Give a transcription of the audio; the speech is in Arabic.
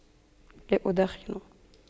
لا أدخن